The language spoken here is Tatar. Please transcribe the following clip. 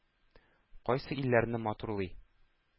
Кайсы илләрне матурлый,